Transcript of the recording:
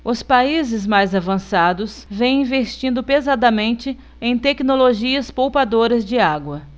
os países mais avançados vêm investindo pesadamente em tecnologias poupadoras de água